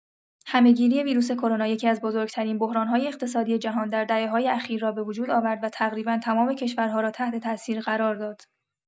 همه‌گیری ویروس کرونا یکی‌از بزرگ‌ترین بحران‌های اقتصادی جهان در دهه‌های اخیر را به وجود آورد و تقریبا تمام کشورها را تحت‌تأثیر قرار داد.